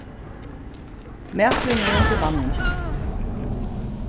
maturin er undir manningini